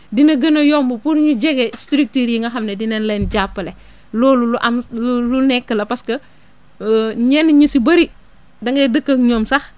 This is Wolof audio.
dina gën a yomb pour ñu jege structures yi nga xam ne dina leen jàppale~ loolu lu am lu lu nekk la parce que ñenn ñu si bëri da ngay dëkk ak ñoom sax